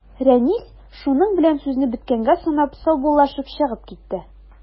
Рәнис, шуның белән сүзне беткәнгә санап, саубуллашып чыгып китте.